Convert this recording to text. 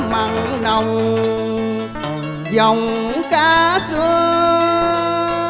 nồng giọng ca xưa